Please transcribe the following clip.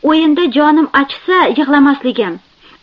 o'yinda jonim achisa yig'lamasligim